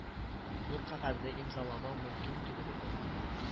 Бу кәгазне имзаламау мөмкин түгел иде